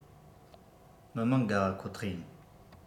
མི མང དགའ བ ཁོ ཐག ཡིན